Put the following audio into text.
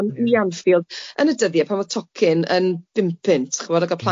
i fynd i Anfield yn y dyddie pan o'dd tocyn yn bum punt chi'bod ac oedd